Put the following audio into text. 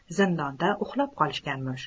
zindonda uxlab qolishganmish